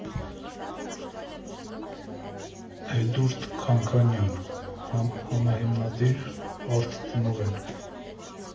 Էդուրդ Քանքանյան համահիմնադիր, արտ֊տնօրեն։